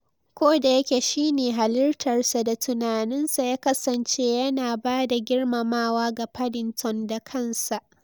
Ko da yake shi ne halittarsa da tunaninsa, ya kasance yana ba da girmamawa ga Paddington da kansa."